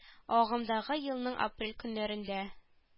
Агымдагы елның - апрель көннәрендә